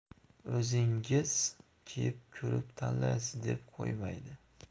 o'zingiz kiyib ko'rib tanlaysiz deb qo'ymadi